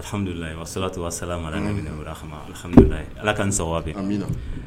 Ala k'an ni sababa bɛn